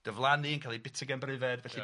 diflannu, yn ca'l 'i byta gan brifed, felly... ia...